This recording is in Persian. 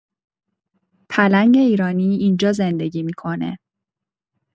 پلنگ ایرانی اینجا زندگی می‌کنه.